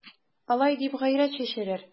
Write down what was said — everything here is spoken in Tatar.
Алай дип гайрәт чәчәләр...